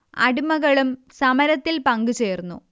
അടിമകളും സമരത്തിൽ പങ്കു ചേർന്നു